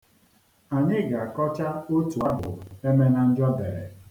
Anyị ga-akọcha otu abụ Emenanjọ dere.